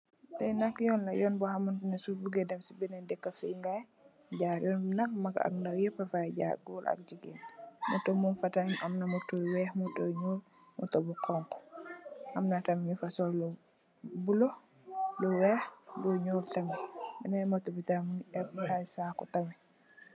Li nak yoon la su bu gaye dem ci benen daka fi gayee jaar. Yoon bi nak mag ak ndaw yeppa Faye jar, gòor ak jigeen. Moto mung fa tamit, amna moto weeh, Moto yu ñuul, Moto bu honku. Amna tamit fasung yu bulo, lu weeh, lu ñuul tamit. Benen moto bi tamit mungi epp ay saku tamit.